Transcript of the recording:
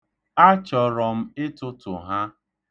Achọrọ m ịtụtụ ha.